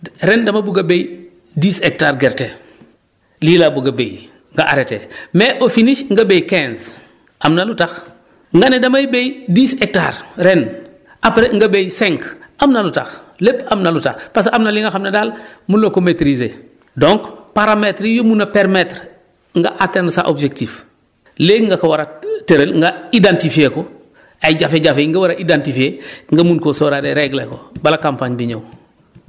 du ren dama bugg a béy dix hectare gerte lii laa bugg a béy nga arrêté mais au finish nga béy quinze am na lu tax nga ne damay béy dix hectare ren après nga béy cinq am na lu tax lépp am na lu tax parce que am na li nga xam ne daal mënuloo ko maitriser donc paramètres yu mun a permettre nga atteindre sa objectif léegi nga ko war a tëral nga identifier ko ay jafe-jafe yi nga war a identifier nga mun koo sóoraale régler ko bala campagne bi ñëw